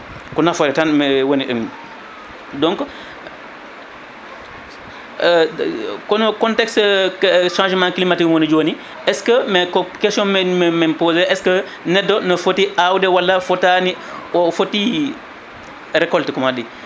ko nafoore tan woni e mum donc kono contexe changement climatique woni joni est ce que question men pose e est ce que neɗɗo ne foti awde walla fotani o foti recolte comment dit